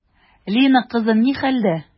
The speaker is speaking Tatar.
Лина кызым ни хәлдә?